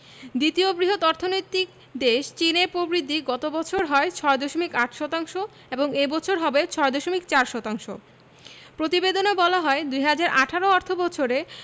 দ্বিতীয় বৃহৎ অর্থনৈতিক দেশ চীনের প্রবৃদ্ধি গত বছর হয় ৬.৮ শতাংশ এবং এ বছর হবে ৬.৪ শতাংশ প্রতিবেদনে বলা হয় ২০১৮ অর্থবছরে